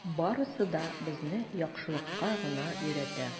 Барысы да безне яхшылыкка гына өйрәтә.